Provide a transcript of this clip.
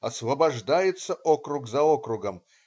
Освобождается округ за округом.